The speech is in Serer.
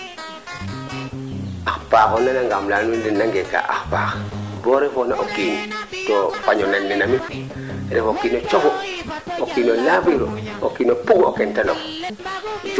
a lancer a conseiller a den aussi a moƴo conseiller a den parce que keete leyna a mota tina fop daal a muuka fop a fiya nen a waxtana a leya émission ne fop ga i cooxkan te tag toor fo o fogole rek `bala i ndafooxo quitter aayo